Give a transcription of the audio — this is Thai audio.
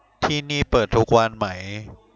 ที่นี่เปิดทุกวันไหม